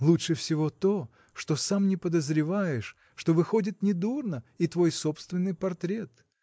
Лучше всего то, что сам не подозреваешь, что выходит недурно и твой собственный портрет.